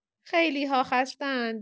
خیلی‌ها خسته‌اند!